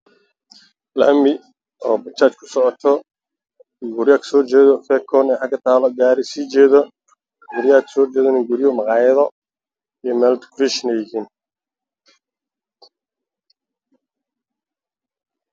Meeshaan waa meel waxaa maraayo bajaaj midabkeedu yahay guduud waxaa ka dambeeya tukaamo